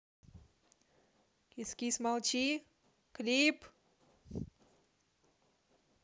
кис кис молчи клип